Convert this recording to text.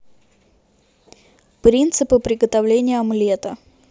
принципы приготовления омлета